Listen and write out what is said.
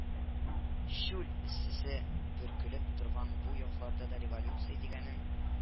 Чүл эссесе бөркелеп торган бу якларда да революция дигәнең